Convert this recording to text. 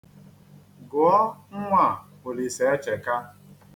Gụọ nnwa a Olisaecheka.